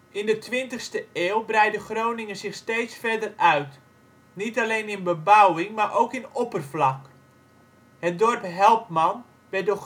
In de twintigste eeuw breidde Groningen zich steeds verder uit, niet alleen in bebouwing, maar ook in oppervlak. Het dorp Helpman werd door Groningen